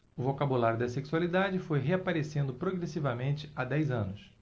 o vocabulário da sexualidade foi reaparecendo progressivamente há dez anos